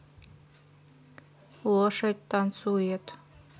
лошадь танцует